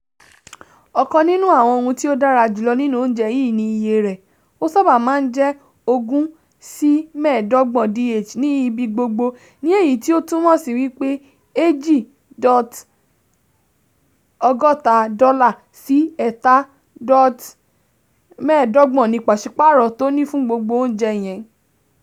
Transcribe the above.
Ọ̀kan nínú àwọn ohun tí o dára jùlọ nínú oúnjẹ yìí ni iye rẹ̀, ó sábà máa ń jẹ́ 20-25 DH ní ibi gbogbo ni èyí tí ó ń túmọ̀ sí $2.60-3.25 ní pàsípààrọ̀ tòní fún gbogbo oúnjẹ yẹn.